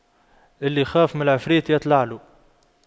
اللي يخاف من العفريت يطلع له